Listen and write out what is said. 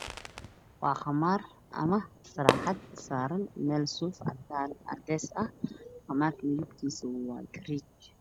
Waa qaamaar ama taraaxad saaran meel suuf cadeys ah, qamaarka midabkiisu waa gareej.